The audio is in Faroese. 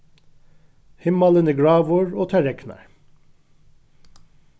himmalin er gráur og tað regnar